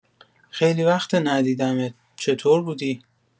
خیلی وقته ندیدمت، چطور بودی؟